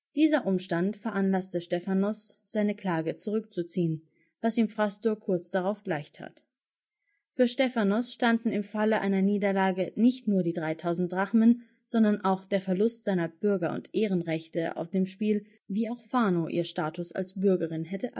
Dieser Umstand veranlasste Stephanos, seine Klage zurückzuziehen, was ihm Phrastor kurz darauf gleichtat. Für Stephanos standen im Falle einer Niederlage nicht nur die 3.000 Drachmen, sondern auch der Verlust seiner Bürger - und Ehrenrechte auf dem Spiel, wie auch Phano ihr Status als Bürgerin hätte